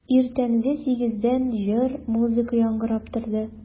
Иртәнге сигездән җыр, музыка яңгырап торды.